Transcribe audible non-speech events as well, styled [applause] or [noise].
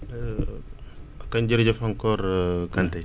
[noise] [hesitation] kon jërëjëf encore [hesitation] Kanté